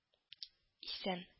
Исән